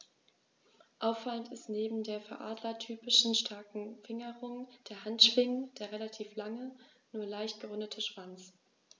Auffallend ist neben der für Adler typischen starken Fingerung der Handschwingen der relativ lange, nur leicht gerundete Schwanz.